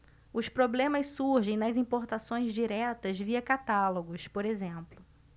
os problemas surgem nas importações diretas via catálogos por exemplo